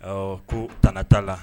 Awɔ ko tana ta la.